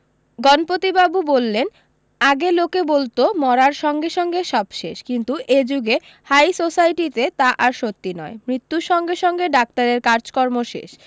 গণপতিবাবু বললেন আগে লোকে বলতো মরার সঙ্গে সঙ্গে সব শেষ কিন্তু এ যুগে হাই সোসাইটিতে তা আর সত্যি নয় মৃত্যুর সঙ্গে সঙ্গে ডাক্তারের কাজকর্ম শেষ